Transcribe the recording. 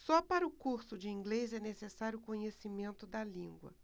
só para o curso de inglês é necessário conhecimento da língua